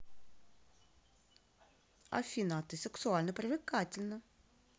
афина а ты сексуально привлекательна